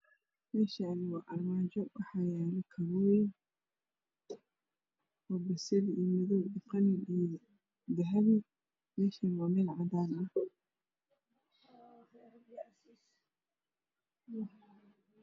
Meeshaan waa armaajo waxaa yaalo kabooyin oo basali, madow iyo qalin ah iyo dahabi ah. Meeshana waa meel cadaan ah.